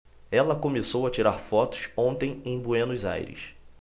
ela começou a tirar fotos ontem em buenos aires